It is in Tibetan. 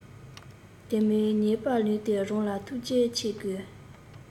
དེ མིན ཉེས པ ལུས སྟེང རང ལ ཐུགས རྗེ ཆེ དགོས